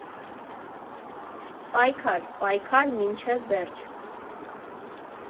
Պայքար, պայքար, մինչև վե՞րջ։